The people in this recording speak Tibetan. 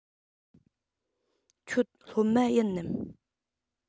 ཁྱོད སློབ མ ཡིན ནམ